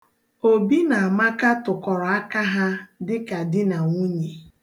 Obi na Amaka tụkọrọ aka ha dịka di na nwunye.